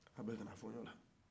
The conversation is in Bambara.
a bɛ ka na fɔɲɔ la